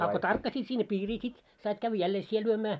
a kun tarkkasit sinne piiriin sitten sait käydä jälleen sinä lyömään